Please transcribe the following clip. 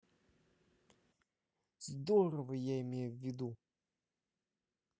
здорово я имею ввиду